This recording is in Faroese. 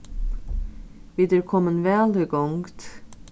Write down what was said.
vit eru komin væl í gongd